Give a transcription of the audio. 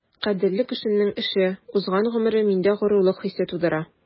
Кадерле кешемнең эше, узган гомере миндә горурлык хисе тудыра.